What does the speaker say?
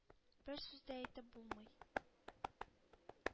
Бер сүз дә әйтеп булмый.